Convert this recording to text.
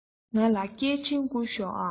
ང ལ སྐད འཕྲིན བསྐུར ཤོག ཨང